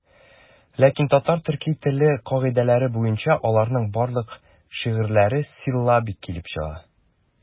Ләкин татар-төрки теле кагыйдәләре буенча аларның барлык шигырьләре силлабик килеп чыга.